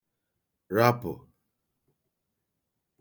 rapụ̀